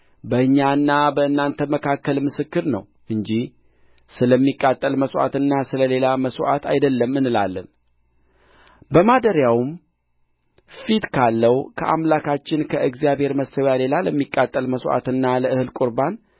በእኛና በእናንተ መካከል ምስክር ነው እንጂ ስለሚቃጠል መሥዋዕትና ስለ ሌላ መሥዋዕት አይደለም እንላለን በማደሪያው ፊት ካለው ከአምላካችን ከእግዚአብሔር መሠዊያ ሌላ ለሚቃጠል መሥዋዕትና ለእህል ቍርባን